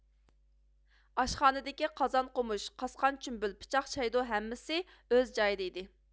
ئاشخانىدىكى قازان قومۇچ قاسقان جۈمبۈل پىچاق چەيدۇ ھەممىسى ئۆز جايىدا ئىدى